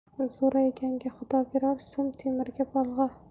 zo'rayganga xudo berar so'm temirga bolg'a